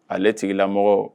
Ale tigilamɔgɔ